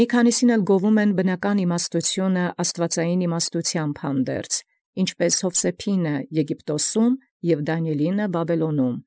Եւ զոմանց զբնական զիմաստութիւն գովեալ աստուածեղէն իմաստութեամբն հանդերձ, որպէս զՅովսէփայն յԵգիպտոս, և զԴանիէլին ի Բաբիլոն։